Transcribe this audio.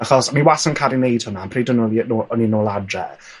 Achos o'n i wastad yn caru neud hwnna pryd o'n o' fi yy nô- o'n i nôl adref,